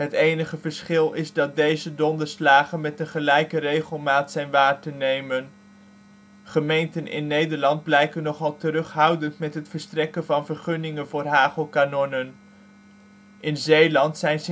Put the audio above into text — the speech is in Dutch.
enige verschil is dat deze donderslagen met een gelijke regelmaat zijn waar te nemen. Gemeenten in Nederland blijken nogal terughoudend met het verstrekken van vergunningen voor hagelkanonnen. In Zeeland zijn